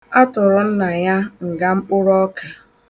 A tụrụ nna ya nga mkpụrụ ọka.